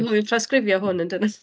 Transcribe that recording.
Hwyl yn trawsgrifio hwn yn dydyn!